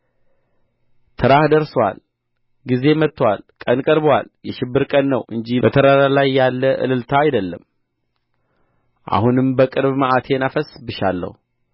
ተራህ ደርሶአል ጊዜ መጥቶአል ቀን ቀርቦአል የሽብር ቀን ነው እንጂ በተራራ ላይ ያለ እልልታ አይደለም አሁን በቅርብ መዓቴን አፈስስብሻለሁ